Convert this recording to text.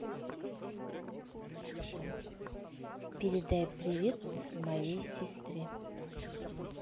передай привет моей семье